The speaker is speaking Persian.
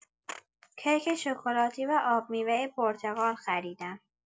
کیک شکلاتی و آبمیوه پرتقال خریدم.